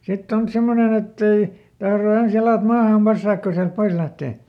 sitten on semmoinen että ei tahdo ensin jalat maahan passata kun sieltä pois lähtee